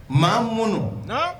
Maa minnu